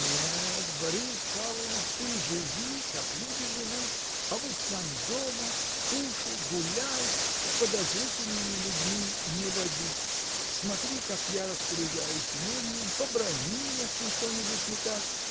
Нет, Борис Павлович: ты живи, как люди живут, побудь с нами дома, кушай, гуляй, с подозрительными людьми не водись, смотри, как я распоряжаюсь имением, побрани, если что-нибудь не так.